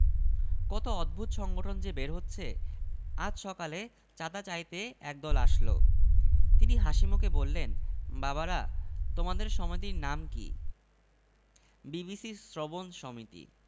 কত অদ্ভুত সংগঠন যে বের হচ্ছে আজ সকালে চাঁদা চাইতে একদল আসল তিনি হাসিমুখে বললেন বাবারা তুমাদের সমিতির নাম কি বিবিসি শ্রবণ সমিতি